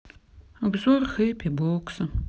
обзор хэппи бокса